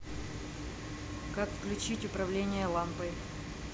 как включить управление лампой